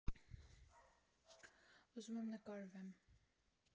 ֊ Ուզում եմ նկարվեմ…